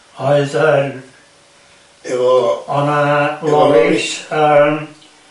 Oedd yym... efo... o'na